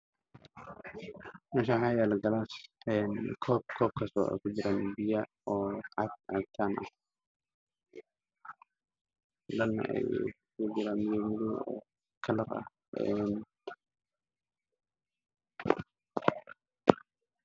Meeshaan waxaa yaalo koob biyo cabitaan ah kujiro midabkiisu waa madow.